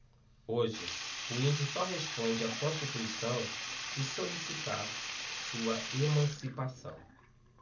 hoje o índio só responde à constituição se solicitar sua emancipação